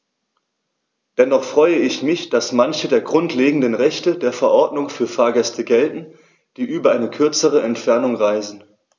Dennoch freue ich mich, dass manche der grundlegenden Rechte der Verordnung für Fahrgäste gelten, die über eine kürzere Entfernung reisen.